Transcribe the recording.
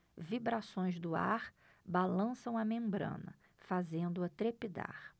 vibrações do ar balançam a membrana fazendo-a trepidar